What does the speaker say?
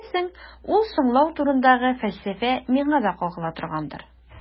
Күрәсең, ул «соңлау» турындагы фәлсәфә миңа да кагыла торгандыр.